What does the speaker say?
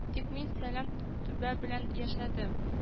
— тик мин салам түбә белән яшәдем